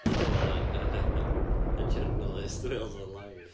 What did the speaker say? O'n i meddwl yr yy y journalist Wales Online